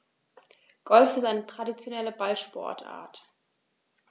Golf ist eine traditionelle Ballsportart.